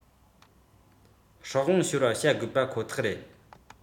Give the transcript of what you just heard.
སྲིད དབང ཤོར བར བྱ དགོས པ ཁོ ཐག རེད